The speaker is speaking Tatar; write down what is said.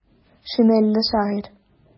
Шинельле шагыйрь.